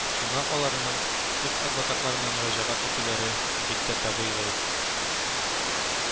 Шуңа аларның үз адвокатларына мөрәҗәгать итүләре бик тә табигый